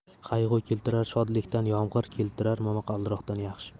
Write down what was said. qayg'u keltirar shodlikdan yomg'ir keltirar momaqaldiroq yaxshi